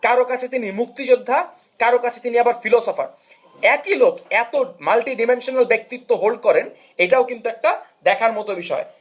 কারো কাছে তিনি মুক্তিযোদ্ধা কারো কাছে তিনি আবার ফিলোসোফার একই লোক এত মাল্টি ডিমেনশনাল ব্যক্তিত্ব হোল্ড করেন এটাও কিন্তু একটা দেখার মত বিষয়